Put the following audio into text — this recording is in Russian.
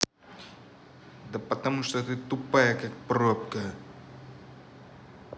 да потому что ты тупая как пробка